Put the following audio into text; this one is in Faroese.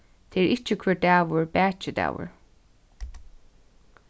tað er ikki hvør dagur bakidagur